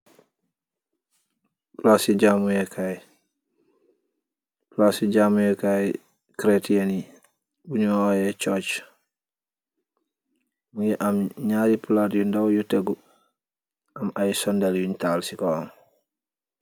Palaci jamuweh kai palaci jamuweh kai chrestian yi bu nyu oyeh church mogi aam naari palat yu ndow yu tegu mogi aam sundel yun tal si kawam.